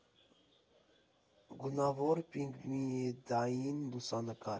Գունավոր պիգմենտային լուսանկար։